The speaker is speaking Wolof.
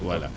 voilà